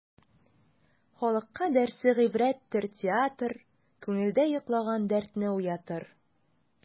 Халыкка дәрсе гыйбрәттер театр, күңелдә йоклаган дәртне уятыр.